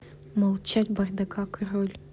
молчать бардака король